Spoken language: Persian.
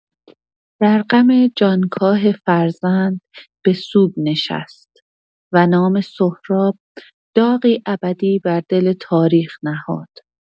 در غم جانکاه فرزند، به سوگ نشست، و نام سهراب، داغی ابدی بر دل تاریخ نهاد.